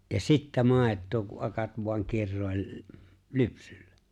ja sitten maitoa kun akat vain kiroili lypsyllä